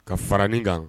Ka fara nin kan